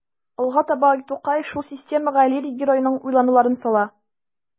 Алга таба Тукай шул системага лирик геройның уйлануларын сала.